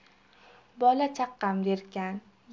bola chaqam derkan